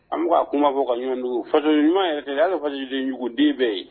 An a kuma fɔ ka ɲumandugu fa ɲuman ala fajuguden bɛɛ ye